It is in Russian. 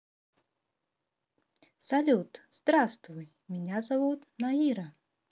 салют здравствуй меня зовут наира